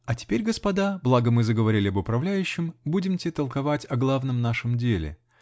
А теперь, господа, благо мы заговорили об управляющем, будемте толковать о главном нашем деле .